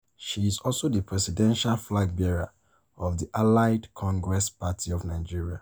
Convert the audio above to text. She is also the presidential flag-bearer of the Allied Congress Party of Nigeria.